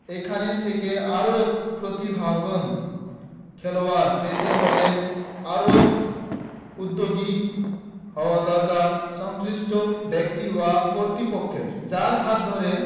এখান থেকে আরও প্রতিভাবান খেলোয়াড় পেতে হলে আরও উদ্যোগী হওয়া দরকার সংশ্লিষ্ট ব্যক্তি বা কর্তৃপক্ষের যাঁর হাত ধরে